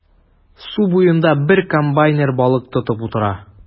Су буенда бер комбайнер балык тотып утыра.